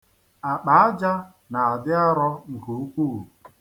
Akpa aja na-adị arọ nke ukwu.